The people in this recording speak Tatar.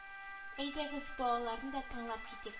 Әйдәгез балаларны да тыңлап китик